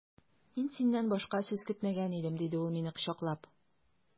Мин синнән башка сүз көтмәгән идем, диде ул мине кочаклап.